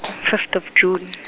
fifth of June.